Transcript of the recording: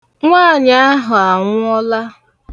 Nwaanyị ahụ anwụọla.